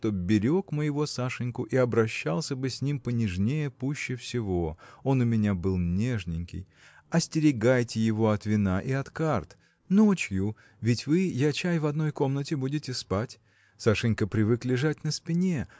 чтоб берег моего Сашеньку и обращался бы с ним понежнее пуще всего он у меня был нежненький. Остерегайте его от вина и от карт. Ночью – ведь вы я чай в одной комнате будете спать – Сашенька привык лежать на спине